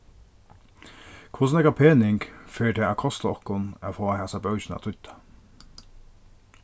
hvussu nógvan pening fer tað at kosta okkum at fáa hasa bókina týdda